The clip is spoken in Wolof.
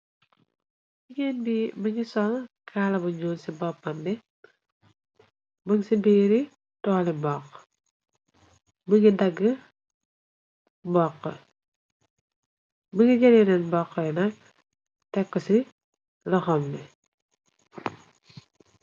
Jigéen bi mëni sol kaala ba nuul ci boppam bi, mu ci biiri tooli mboxa, më ngi dagga mboxa , me ngi jel yenna mboxa yi nak tekku ci loxam bi.